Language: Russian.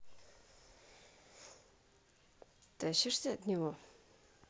тащишься от него